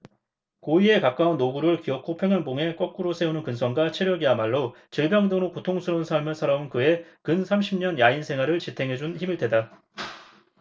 고희에 가까운 노구를 기어코 평행봉에 거꾸로 세우는 근성과 체력이야말로 질병 등으로 고통스런 삶을 살아온 그의 근 삼십 년 야인 생활을 지탱해준 힘일 테다